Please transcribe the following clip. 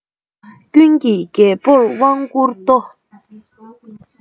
ཀུན གྱིས རྒྱལ པོར དབང བསྐུར ཏོ